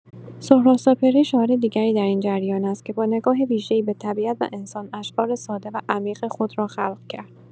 سهراب سپهری، شاعر دیگری در این جریان است که با نگاه ویژه‌ای به طبیعت و انسان، اشعار ساده و عمیق خود را خلق کرد.